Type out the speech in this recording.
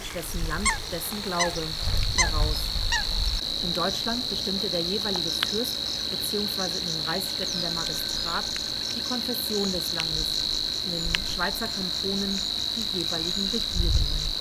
wessen Land, dessen Glaube “) heraus: In Deutschland bestimmte der jeweilige Fürst bzw. in den Reichsstädten der Magistrat die Konfession des Landes, in den Schweizer Kantonen die jeweiligen Regierungen